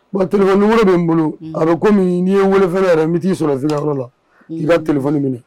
Bon bɛ n bolo a bɛ komi n'i ye weelefɛ yɛrɛ n bɛ t'i sɔrɔ sinyɔrɔ la i ka tf minɛ